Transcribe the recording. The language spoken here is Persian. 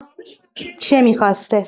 چه می‌خواسته؟